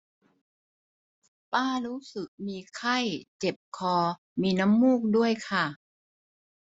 ป้ารู้สึกมีไข้เจ็บคอมีน้ำมูกด้วยค่ะ